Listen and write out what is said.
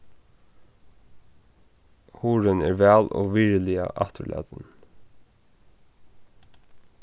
hurðin er væl og virðiliga afturlatin